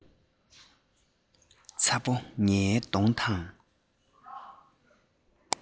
ཚ པོ ངའི གདོང དང